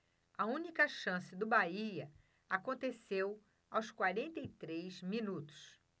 a única chance do bahia aconteceu aos quarenta e três minutos